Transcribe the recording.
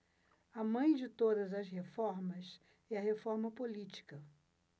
a mãe de todas as reformas é a reforma política